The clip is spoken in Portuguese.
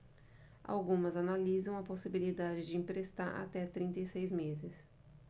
algumas analisam a possibilidade de emprestar até trinta e seis meses